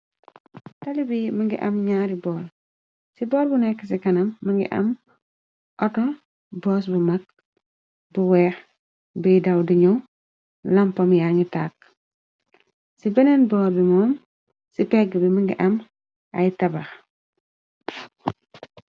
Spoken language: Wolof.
Tali bi më ngi am ñaari bool ci boor bu nekk ci kanam më ngi am ato boos bu mag bu weex bui daw di ñyuw lampam yangi tàkk ci beneen boor bi moom ci pegg bi mingi am ay tabax.